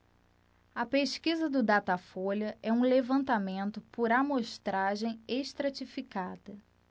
a pesquisa do datafolha é um levantamento por amostragem estratificada